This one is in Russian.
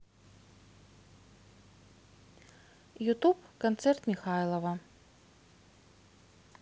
ютуб концерт михайлова